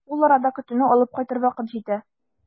Ул арада көтүне алып кайтыр вакыт җитә.